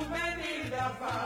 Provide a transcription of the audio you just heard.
Ne y'i